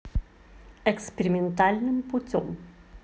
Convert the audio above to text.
экспериментальным путем